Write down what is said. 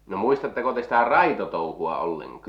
no muistatteko te sitä raitotouhua ollenkaan